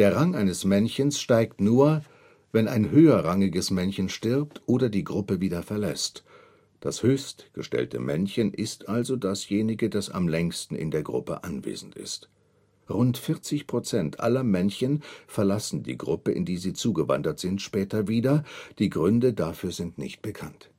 Rang eines Männchens steigt nur, wenn ein höherrangiges Männchen stirbt oder die Gruppe wieder verlässt – das höchstgestellte Männchen ist also dasjenige, das am längsten in der Gruppe anwesend ist. Rund 40 % aller Männchen verlassen die Gruppe, in die sie zugewandert sind, später wieder, die Gründe dafür sind nicht bekannt